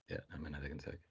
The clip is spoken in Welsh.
Ia, na, ma' hynna'n ddigon teg.